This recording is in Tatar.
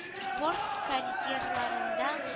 Спорт карьераларында